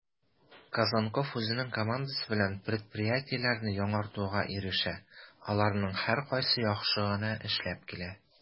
Козонков үзенең командасы белән предприятиеләрне яңартуга ирешә, аларның һәркайсы яхшы гына эшләп килә: